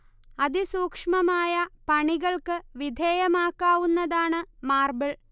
അതിസൂക്ഷ്മമായ പണികൾക്ക് വിധേയമാക്കാവുന്നതാണ് മാർബിൽ